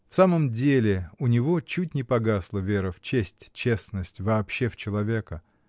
В самом деле, у него чуть не погасла вера в честь, честность, вообще в человека.